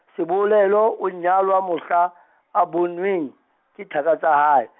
Sebolelo o nyalwa mohla, a bonweng, ke thaka tsa hae.